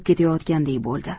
ketayotgandek bo'ldi